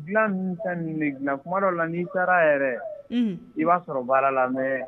Dilan min ka dilankuma dɔ la n'i taara yɛrɛ i b'a sɔrɔ baara lamɛn